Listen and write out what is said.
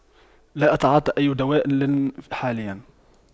لا أتعاطى أي دواء حاليا